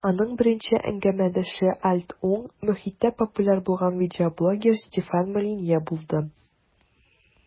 Аның беренче әңгәмәдәше "альт-уң" мохиттә популяр булган видеоблогер Стефан Молинье булды.